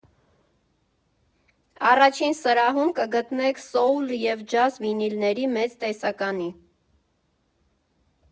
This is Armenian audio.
Առաջին սրահում կգտնեք սոուլ և ջազ վինիլների մեծ տեսականի։